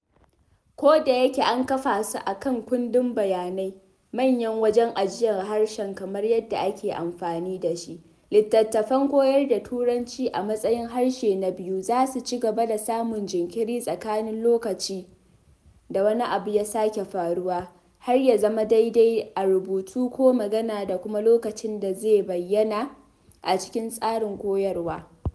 Ko da yake an kafa su a kan “kundin bayanai” — manyan wajen ajiyar harshe kamar yadda ake amfani da shi — littattafan koyar da Turanci a matsayin harshe na biyu za su ci gaba da samun jinkiri tsakanin lokacin da wani abu ya sake faruwa har ya zama daidai a rubutu ko magana da kuma lokacin da zai bayyana a cikin tsarin koyarwa.